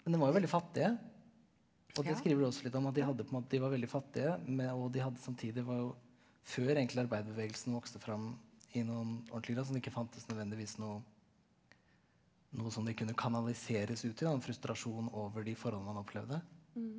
men dem var jo veldig fattige og det skriver du også litt om at de hadde på en de var veldig fattige med og de hadde samtidig var jo før egentlig arbeiderbevegelsen vokste fram i noen ordentlig grad så det ikke fantes nødvendigvis noe noe sånn de kunne kanaliseres ut i da den frustrasjonen over de forholdene man opplevde.